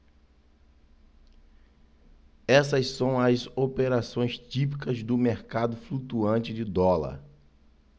essas são as operações típicas do mercado flutuante de dólar